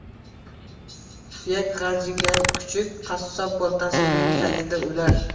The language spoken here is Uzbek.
suyak g'ajigan kuchuk qassob boltasining tagida o'lar